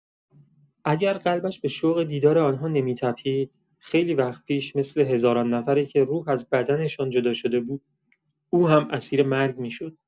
اگر قلبش به شوق دیدار آن‌ها نمی‌تپید، خیلی وقت پیش مثل هزاران نفری که روح از بدنشان جدا شده بود، او هم اسیر مرگ می‌شد.